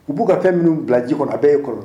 U b'u ka fɛn minnu bila ji kɔnɔ a bɛɛ e kɔrɔ